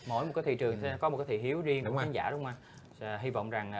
mỗi một cái thị trường có một cái thị hiếu riêng với khán giả đúng không anh sẽ hy vọng rằng